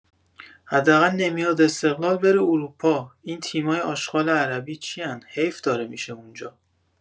حداقل نمیاد استقلال بره اروپا این تیمای اشغال عربی چین، حیف داره می‌شه اونجا